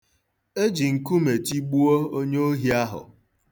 E ji nkume tụgbuo onye ohi ahụ.